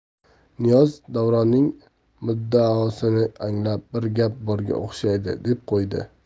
niyoz davronning muddaosini anglab bir gap borga o'xshaydi deb qo'ydi